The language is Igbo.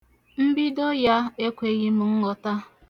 Mbido ya ekweghị m nghọta.